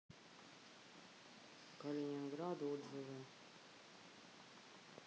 калининград отзывы